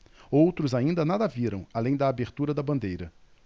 outros ainda nada viram além da abertura da bandeira